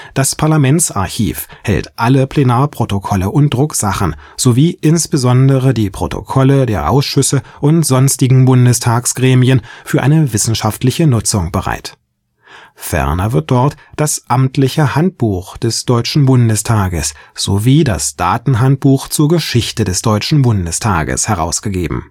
Das Parlamentsarchiv hält alle Plenarprotokolle und Drucksachen sowie insbesondere die Protokolle der Ausschüsse und sonstigen Bundestagsgremien für eine wissenschaftliche Nutzung bereit. Ferner wird dort das Amtliche Handbuch des Deutschen Bundestages sowie das Datenhandbuch zur Geschichte des Deutschen Bundestages herausgegeben